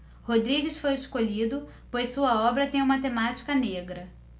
rodrigues foi escolhido pois sua obra tem uma temática negra